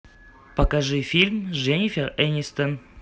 покажи фильмы с дженнифер энистон